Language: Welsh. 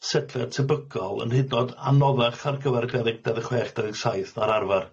setliad tebygol yn hydnod anoddach ar gyfar dau ddeg dau ddeg chwech dau ddeg saith na'r arfar.